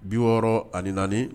64